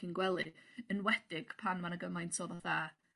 cyn gwely enwedig pan ma' 'na gymaint o fatha